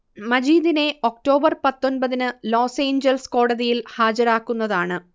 മജീദിനെ ഒക്ടോബർ പത്തൊൻപത്തിന് Los Angeles കോടതിയിൽ ഹാജരാക്കുന്നതാണ്